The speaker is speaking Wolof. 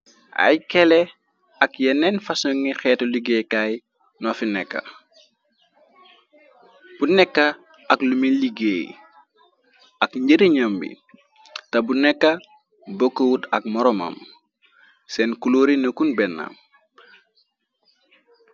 Ay kele ak yeneen fasongi xeetu liggéeykaay nofi nekka, bu nekka ak lumi liggéey ak njarinam bi, te bu nekka bokkowut ak moroomam seen kuloori nekkun benn.